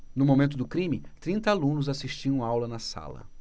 no momento do crime trinta alunos assistiam aula na sala